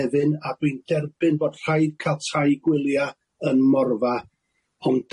Nefyn a dwi'n derbyn bod rhaid ca'l tai gwylia' yn Morfa ond